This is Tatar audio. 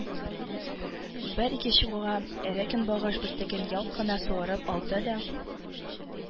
Бер-ике чукуга, эре көнбагыш бөртеген ялт кына суырып алды да